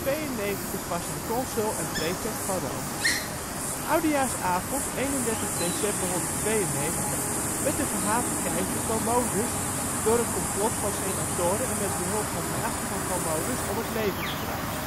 In 192 was hij consul en prefect van Rome. Op oudejaarsavond 31 december 192 werd de gehate keizer Commodus door een complot van senatoren en met behulp van naasten van Commodus om het leven gebracht